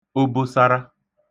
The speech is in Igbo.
obosara